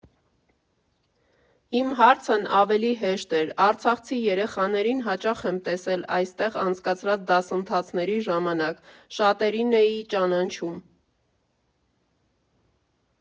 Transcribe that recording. Իմ հարցն ավելի հեշտ էր, արցախցի երեխաներին հաճախ եմ տեսել այստեղ անցկացրած դասընթացների ժամանակ, շատերին էի ճանաչում։